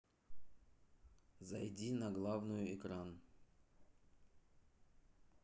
зайди на главную экран